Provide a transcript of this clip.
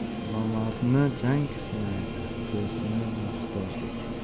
nomardni jang sinaydi do'stni muhtojlik